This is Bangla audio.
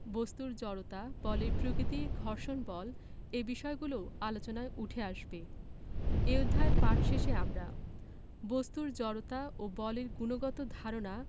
বস্তুর জড়তা বলের প্রকৃতি ঘর্ষণ বল এই বিষয়গুলোও আলোচনায় উঠে আসবে এ অধ্যায় পাঠ শেষে আমরা বস্তুর জড়তা ও বলের গুণগত ধারণা